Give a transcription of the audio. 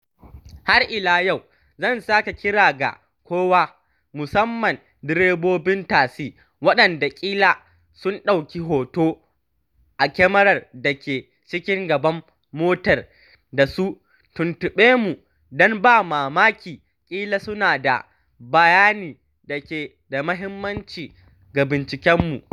Har ila yau zan sake kira ga kowa, musamman direbobin tasi, waɗanda ƙila sun ɗauki hoto a kyamarar da ke cikin gaban mota da su tuntuɓe mu don ba mamaki ƙila suna da bayani da ke da muhimmanci ga bincikenmu.'